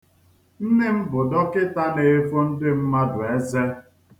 Nne m bụ dọkịta na-efo ndị mmadụ eze.